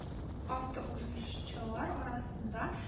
Автоузычшылар арасында